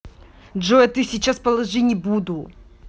джой а ты сейчас положи не буду